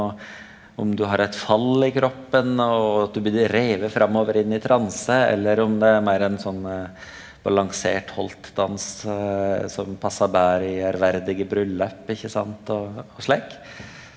og om du har eit fall i kroppen og at du blir riven framover inn i transe, eller om det er meir ein sånn balansert holtdans som passar betre i ærverdige bryllaup ikkje sant og slik.